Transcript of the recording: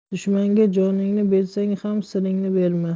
dushmanga joningni bersang ham siringni berma